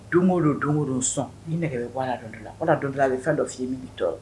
Don o don don o don sɔn ni nɛgɛ bɛ bɔ' don la o don la a bɛ fɛn dɔ lafi i ye i bɛ to